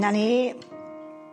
'Na ni.